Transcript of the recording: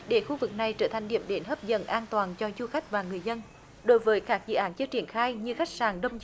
để khu vực này trở thành điểm đến hấp dẫn an toàn cho du khách và người dân đối với các dự án chưa triển khai như khách sạn đông